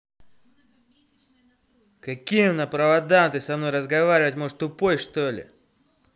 каким на проводам ты со мной разговаривать можешь тупой что ли